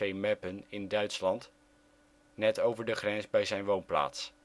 Meppen in Duitsland, net over de grens bij zijn woonplaats